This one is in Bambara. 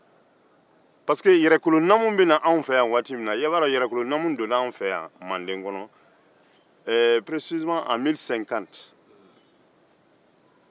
yɛrɛkolonamu donna anw fɛ yan manden 1050 san